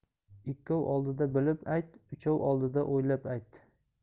ikkov oldida bilib ayt uchov oldida o'ylab ayt